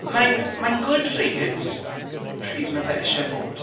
Mae'n mae'n good read, pryd ma' fe isie fod.